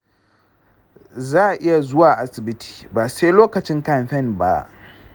zaka iya zuwa asibitin; ba se lokacin kamfen ba.